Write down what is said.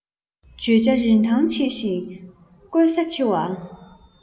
བརྗོད བྱ རིན ཐང ཆེ ཞིང བཀོལ ས ཆེ བ